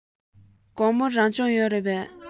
དགོང མོ རང སྦྱོང ཡོད རེད པས